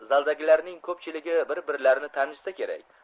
zaldagilarning ko'pchiligi bir birlarini tanishsa kerak